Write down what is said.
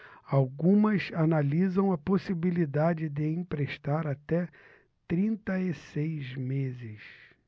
algumas analisam a possibilidade de emprestar até trinta e seis meses